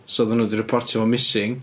So oeddan nhw 'di reportio fo missing.